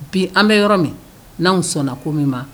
Bi an bɛ yɔrɔ min, n'anw sɔnna ko min ma